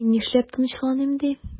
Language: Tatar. Мин нишләп тынычланыйм ди?